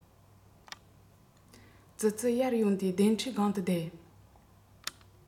ཙི ཙི ཡར ཡོང སྟེ གདན ཁྲིའི སྒང དུ བསྡད